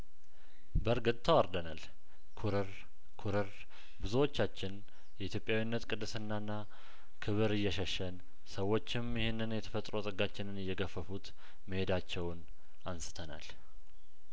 በእርግጥ ግን ተዋርደናል ኩርር ኩርር ብዙዎቻችን የኢትዮጵያዊነት ቅድስናና ክብር እየሸሸን ሰዎችም ይህንን የተፈጥሮ ጸጋችንን እየገፈፉት መሄዳቸውን አንስተናል